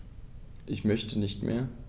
Ich möchte nicht mehr.